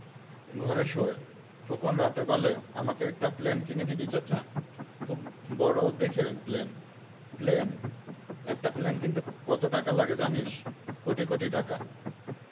ঘরে শোয় খোকন রাতে বলে আমাকে একটা প্লেন কিনে দিবি চাচা খুব বড় দেখে প্লেন প্লেন একটা প্লেন কিনতে কত টাকা লাগে জানিস কোটি কোটি টাকা